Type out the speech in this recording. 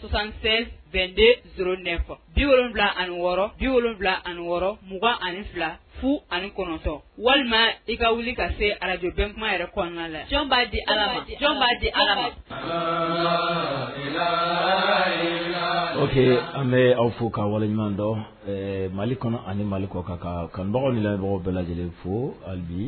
sonsansen bɛnden s ne fɔ bi wolon wolonwula ani wɔɔrɔ bi wolonwula ani wɔɔrɔ 2ugan ani fila fu anitɔn walima i ka wuli ka se alajfɛntuma yɛrɛ kɔnɔna la jɔn b'a di ala ma b'a di ala oke an bɛ aw fɔ ka wale ɲɔgɔn dɔ mali kɔnɔ ani mali kɔ ka ka kanbagaw bila mɔgɔ bɛɛ lajɛlen fo hali bi